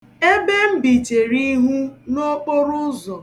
Ebe m bi chere ihu n'okporụzọ.